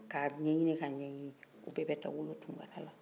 k' a ɲɛɲini k' a ɲɛɲini o bɛɛ bɛ taa wolo tunkarala